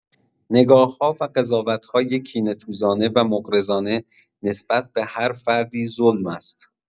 نگاه‌ها و قضاوت‌های کینه‌توزانه و مغرضانه نسبت به هر فردی ظلم است.